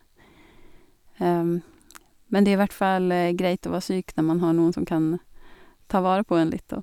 Men det er i hvert fall greit å være syk når man har noen som kan ta vare på en litt, da.